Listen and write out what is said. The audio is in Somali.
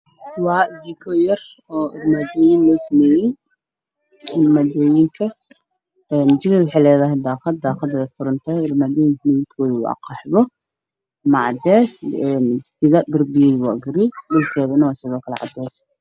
Meeshaan waa qol jike ah leer cadaan ayaa ka daaran waxa ay leedahay qaanado daaqada way furan tahay